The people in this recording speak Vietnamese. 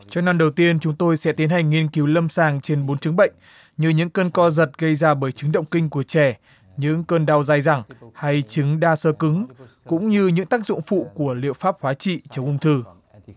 cho năm đầu tiên chúng tôi sẽ tiến hành nghiên cứu lâm sàng trên bốn chứng bệnh như những cơn co giật gây ra bởi chứng động kinh của trẻ những cơn đau dai dẳng hay chứng đa xơ cứng cũng như những tác dụng phụ của liệu pháp hóa trị chống ung thư